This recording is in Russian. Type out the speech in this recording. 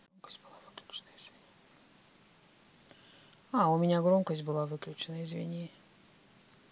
а у меня громкость была выключена извини